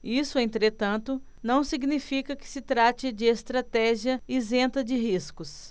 isso entretanto não significa que se trate de estratégia isenta de riscos